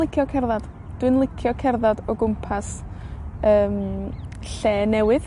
licio cerddad. Dwi'n licio cerddad o gwmpas yym lle newydd.